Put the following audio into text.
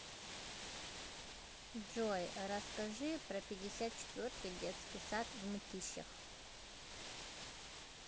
джой расскажи про пятьдесят четвертый детский сад в мытищах